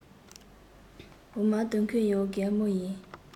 འོ མ ལྡུད མཁན ཡང རྒན མོ ཡིན